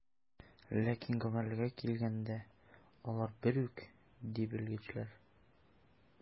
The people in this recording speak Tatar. Ләкин гамәлләргә килгәндә, алар бер үк, ди белгечләр.